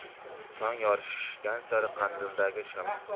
tong yorishgan sari qandildagi